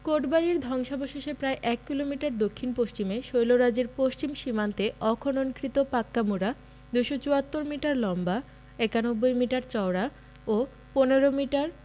কোটবাড়ি ধ্বংসাবশেষের প্রায় এক কিলোমিটার দক্ষিণ পশ্চিমে শৈলরাজির পশ্চিম সীমান্তে অখননকৃত পাক্কা মুড়া ২৭৪ মিটার লম্বা ৯১ মিটার চওড়া ও ১৫ মিটার